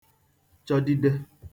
chọdide